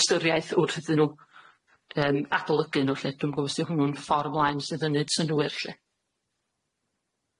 ystyriaeth wrth iddyn nw yym adolygu nw lly dwi'm yn gwbo' os ydi hwnnw'n ffor mlaen sydd yn neud synnwyr lly?